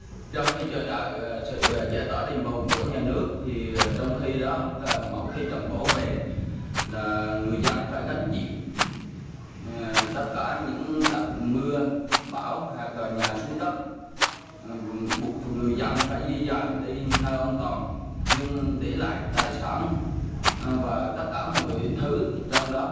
trong khi chờ đợi sự giải tỏa đền bù của nhà nước thì trong khi đó là mỗi khi trận bão về là người dân phải gánh chịu tất cả những đợt mưa bão hoặc là nhà xuống cấp buộc người dân phải di dời đi nơi an toàn nhưng để lại tài sản và tất cả mọi thứ trong đó